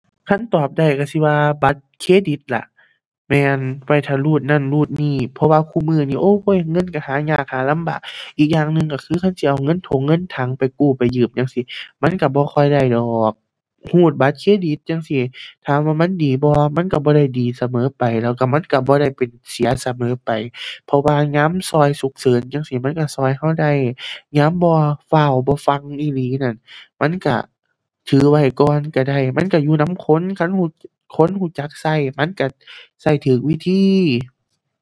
คันตอบได้ก็สิว่าบัตรเครดิตล่ะ แม่น ไปถ้ารูดนั้นรูดนี้ เพราะว่าคุมื้อนี้ โอ๊ย เงินก็หายาก หาลำบาก อีกอย่างหนึ่งก็คือคันสิเอาเงินถุงเงินถังไปกู้ไปยืมจั่งซี้ มันก็บ่ค่อยได้ดอก ก็บัตรเครดิตจั่งซี้ ถามว่ามันดีบ่ มันก็บ่ได้ดีเสมอไป แล้วก็มันก็บ่ได้เป็นเสียเสมอไป เพราะว่ายามก็ฉุกเฉินจั่งซี้มันก็ก็ก็ได้ ยามบ่ฟ้าวบ่ฟั่งอีหลีนั้น มันก็ ถือไว้ก่อนก็ได้ มันจั่งอยู่นำคนคันก็ คนก็จักก็มันก็ก็ก็วิธี